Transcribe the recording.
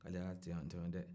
k'ale y'a tɔɲɔn deh